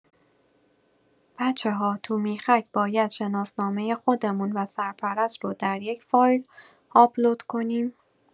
بچه‌ها توو میخک باید شناسنامه خودمون و سرپرست رو در یک فایل اپلود کنیم؟